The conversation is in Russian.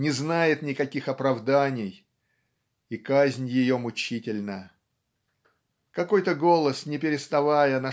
не знает никаких оправданий и казнь ее мучительна. Какой-то голос не переставая